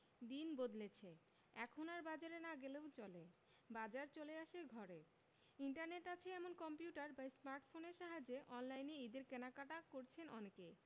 দিন বদলেছে এখন আর বাজারে না গেলেও চলে বাজার চলে আসে ঘরে ইন্টারনেট আছে এমন কম্পিউটার বা স্মার্টফোনের সাহায্যে অনলাইনে ঈদের কেনাকাটা করছেন অনেকে